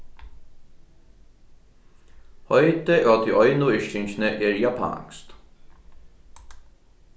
heitið á tí einu yrkingini er japanskt